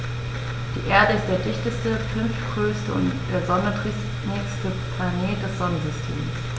Die Erde ist der dichteste, fünftgrößte und der Sonne drittnächste Planet des Sonnensystems.